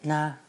Na.